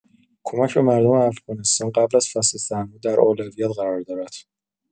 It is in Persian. کمک به مردم افغانستان قبل از فصل سرما در اولویت قرار دارد.